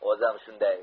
o'zim shunday